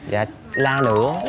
dạ la nữa